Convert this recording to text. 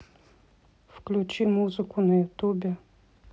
включи музыку на ютубе